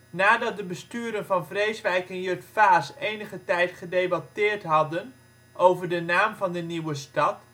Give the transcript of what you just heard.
Nadat de besturen van Vreeswijk en Jutphaas enige tijd gedebatteerd hadden over de naam van de nieuwe stad